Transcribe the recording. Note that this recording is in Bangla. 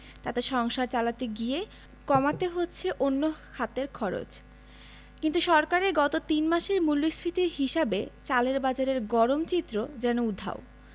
তাতে সংসার চালাতে গিয়ে কমাতে হচ্ছে অন্য খাতের খরচ কিন্তু সরকারের গত তিন মাসের মূল্যস্ফীতির হিসাবে চালের বাজারের গরম চিত্র যেন উধাও